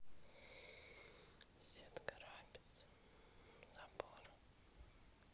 сетка рабица забор